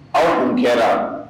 Aw dun kɛra